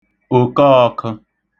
òkọọ̄kə̣̄